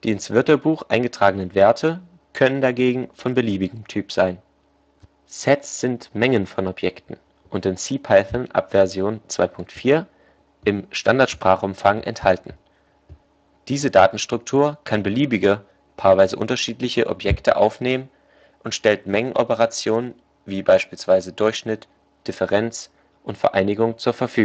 ins Wörterbuch eingetragenen Werte können dagegen von beliebigem Typ sein. Sets sind Mengen von Objekten und in CPython ab Version 2.4 im Standardsprachumfang enthalten. Diese Datenstruktur kann beliebige (paarweise unterschiedliche) Objekte aufnehmen und stellt Mengenoperationen wie beispielsweise Durchschnitt, Differenz und Vereinigung zur Verfügung